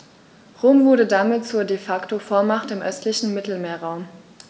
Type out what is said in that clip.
Rom wurde damit zur ‚De-Facto-Vormacht‘ im östlichen Mittelmeerraum.